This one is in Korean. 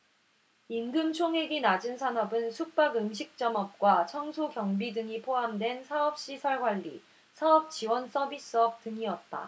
임금총액이 낮은 산업은 숙박 음식점업과 청소 경비 등이 포함된 사업시설관리 사업지원서비스업 등이었다